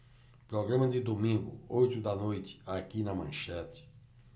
programa de domingo oito da noite aqui na manchete